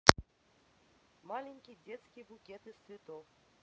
маленький детский букет из цветов